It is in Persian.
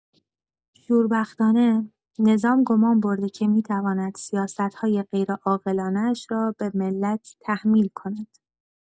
شوربختانه، نظام گمان برده که می‌تواند سیاست‌های غیرعاقلانه‌اش را به ملت تحمیل کند.